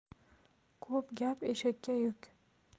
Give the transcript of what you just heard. ko'p gap eshakka yuk